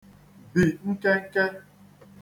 bì nkenke